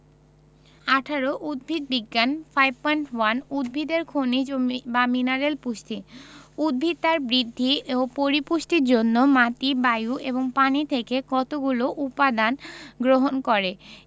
১৮ উদ্ভিদ বিজ্ঞান 5.1 উদ্ভিদের খনিজ বা মিনারেল পুষ্টি উদ্ভিদ তার বৃদ্ধি ও পরিপুষ্টির জন্য মাটি বায়ু এবং পানি থেকে কতগুলো উপদান গ্রহণ করে